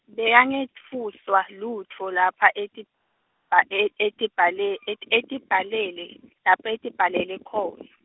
Bekangetfuswa, lutfo, lapha ati-, bha- e- e- tibhale- ati- latibhalele, lapha latibhalele khona.